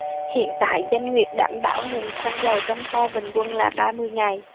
hiện tại doanh nghiệp đảm bảo nguồn xăng dầu trong kho bình quân là ba mươi ngày